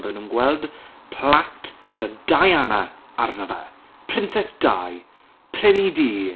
bydden nhw'n gweld plat gyda Diana arno fe. Princess Di. Prinny D.